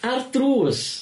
Ar drws?